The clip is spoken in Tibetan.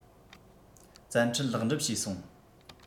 བཙན ཁྲིད ལེགས འགྲུབ བྱུང སོང